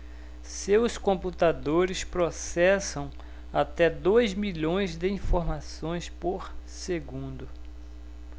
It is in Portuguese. seus computadores processam até dois milhões de informações por segundo